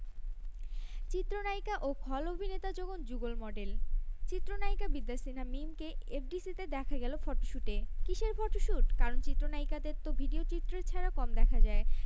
চিত্রনায়িকা ও খল অভিনেতা যখন যুগল মডেল চিত্রনায়িকা বিদ্যা সিনহা মিমকে এফডিসিতে দেখা গেল ফটোশুটে কিসের ফটোশুট কারণ চিত্রনায়িকাদের তো ভিডিওচিত্রে ছাড়া কম দেখা যায়